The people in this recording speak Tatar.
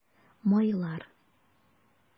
Майлар